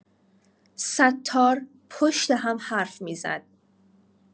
ستار پشت هم حرف می‌زد.